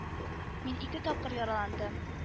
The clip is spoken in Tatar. Мин ике тапкыр яраландым